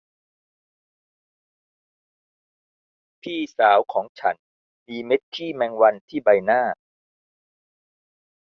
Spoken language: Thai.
พี่สาวของฉันมีเม็ดขี้แมงวันที่ใบหน้า